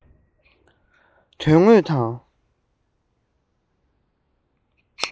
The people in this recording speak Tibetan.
དོན དངོས དང